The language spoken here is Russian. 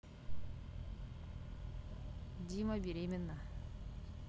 дима беременна